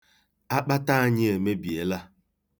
Akpata anyị emebiela.